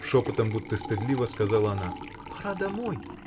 — шепотом, будто стыдливо, сказала она. — Пора домой!